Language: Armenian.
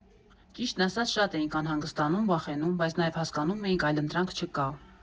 Ճիշտն ասած՝ շատ էինք անհանգստանում, վախենում, բայց նաև հասկանում էինք՝ այլընտրանք չկա։